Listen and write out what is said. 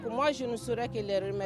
U mas suur kelen reme